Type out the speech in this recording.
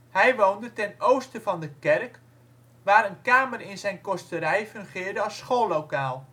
Hij woonde ten oosten van de kerk, waar een kamer in zijn kosterij fungeerde als schoollokaal